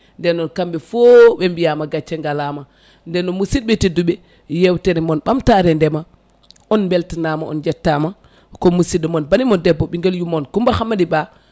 nden noon kamɓe foof ɓe mbiyam gacce galama nden noon musibɓe tedduɓe yewtere moon ɓamtare ndeema on beltanama on jettama ko musidɗo moon banimon debbo ɓinguel yummon Coumba Hammady Ba